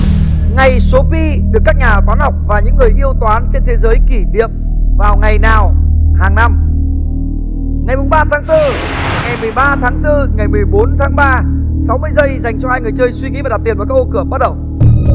ngày số pi được các nhà toán học và những người yêu toán trên thế giới kỷ niệm vào ngày nào hàng năm ngày mùng ba tháng tư ngày mười ba tháng tư ngày mười bốn tháng ba sáu mươi giây dành cho hai người chơi suy nghĩ và đặt tiền vào các ô cửa bắt đầu